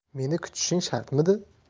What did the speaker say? meni kutishing shartmidi